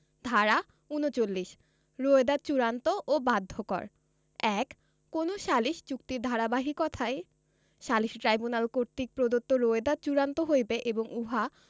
ধারা ৩৯ রোয়েদাদ চূড়ান্ত ও বাধ্যকর ১ কোন সালিস চুক্তির ধারাবাহিকতায় সালিসী ট্রাইব্যুনাল কর্তৃক প্রদত্ত রোয়েদাদ চূড়ান্ত হইবে এবং উহা